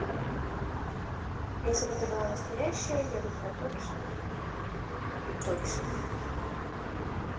если бы ты была настоящая я бы тебя точно трахнул